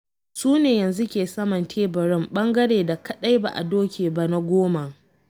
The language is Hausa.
Su ne yanzu ke saman teburin, ɓangare da kaɗai ba a doke ba na goman.